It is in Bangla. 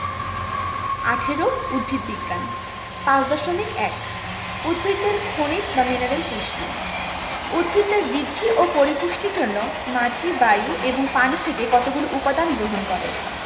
১৮ উদ্ভিদ বিজ্ঞান 5.1 উদ্ভিদের খনিজ বা মিনারেল পুষ্টি উদ্ভিদ তার বৃদ্ধি ও পরিপুষ্টির জন্য মাটি বায়ু এবং পানি থেকে কতগুলো উপদান গ্রহণ করে